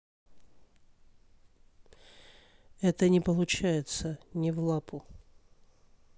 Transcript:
это не получается не в лапу